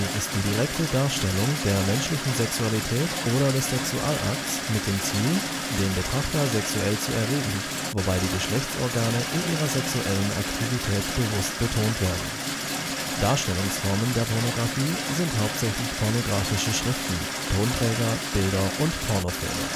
ist die direkte Darstellung der menschlichen Sexualität oder des Sexualakts mit dem Ziel, den Betrachter sexuell zu erregen, wobei die Geschlechtsorgane in ihrer sexuellen Aktivität bewusst betont werden. Darstellungsformen der Pornografie sind hauptsächlich pornografische Schriften, Tonträger, Bilder und Pornofilme